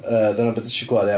Yy, dyna be ti isio glywad ia?